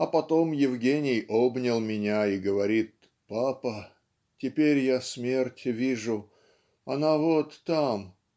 А потом Евгений обнял меня и говорит: "Папа, теперь я смерть вижу. Она вот там.